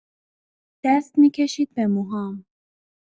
دست می‌کشید به موهام.